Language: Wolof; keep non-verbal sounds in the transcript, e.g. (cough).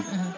(hesitation) (hesitation)